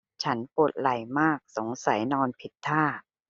ฉันปวดไหล่มากสงสัยนอนผิดท่า